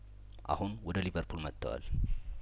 አሁን ወደ ሊቨርፑል መጥተዋል